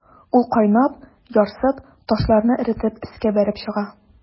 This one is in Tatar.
Ул кайнап, ярсып, ташларны эретеп өскә бәреп чыга.